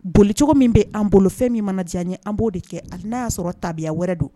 Boli cogo min bɛ an bolo fɛn min mana diya ɲɛ an b'o de kɛ a n'a y'a sɔrɔ tabiya wɛrɛ don